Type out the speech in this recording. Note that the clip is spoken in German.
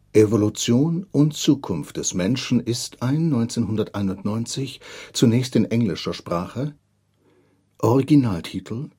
Evolution und Zukunft des Menschen ist ein 1991 zunächst in englischer Sprache (Originaltitel